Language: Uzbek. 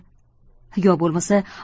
yo bo'lmasa